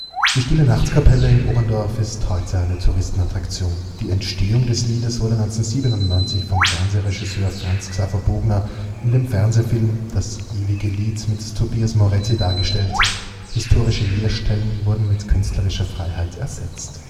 Die Stille-Nacht-Kapelle in Oberndorf ist heute eine Touristenattraktion. Die Entstehung des Liedes wurde 1997 vom Fernsehregisseur Franz Xaver Bogner in dem Fernsehfilm Das ewige Lied (mit Tobias Moretti) dargestellt. Historische Leerstellen wurden mit künstlerischer Freiheit ersetzt